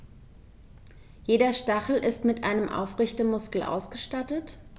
Jeder Stachel ist mit einem Aufrichtemuskel ausgestattet.